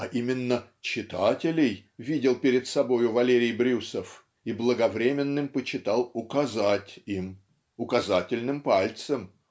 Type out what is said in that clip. а именно "читателей" видел перед собою Валерий Брюсов и благовременным почитал "указать" им указательным пальцем